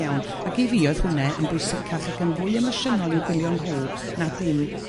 iawn ag i fi o'dd hwnne yn bwysicach ag yn fwy emosiynol i'w gwylio nhw na dim